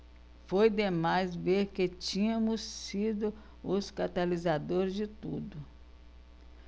foi demais ver que tínhamos sido os catalisadores de tudo